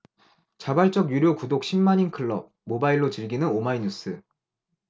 자발적 유료 구독 십 만인클럽 모바일로 즐기는 오마이뉴스